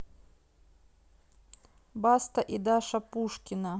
баста и даша пушкина